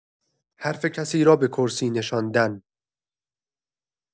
حرف کسی را به کرسی نشاندن